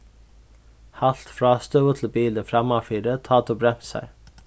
halt frástøðu til bilin frammanfyri tá tú bremsar